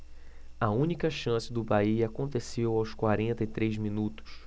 a única chance do bahia aconteceu aos quarenta e três minutos